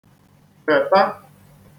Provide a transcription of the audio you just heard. -tèta